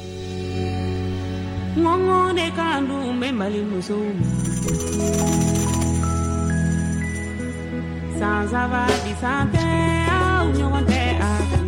Ŋɔnŋɔn de kan dun n bɛ Mali musow ma, san 3 bi san tɛ, a' ɲɔgɔn tɛ a